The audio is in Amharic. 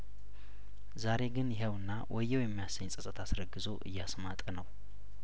ዛሬ ግን ይኸውና ወየው የሚያሰኝ ጸጸት አስረ ግዞ እያስ ማጠ ነው